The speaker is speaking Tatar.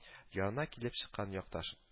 Янына килеп чыккан якташ